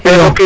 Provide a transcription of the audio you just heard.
axa